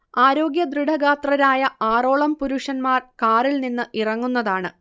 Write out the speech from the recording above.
ആരോഗ്യ ദൃഡഗാത്രരായ ആറോളം പുരുഷന്മാർ കാറിൽ നിന്ന് ഇറങ്ങുന്നതാണ്